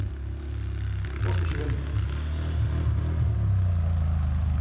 tosa ikki við meg